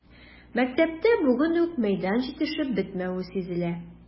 Мәктәптә бүген үк мәйдан җитешеп бетмәве сизелә.